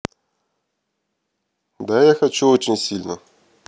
да я хочу очень сильно